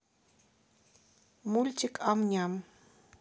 мультик ам ням